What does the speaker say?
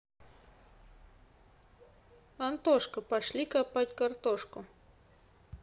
антошка пошли копать картошку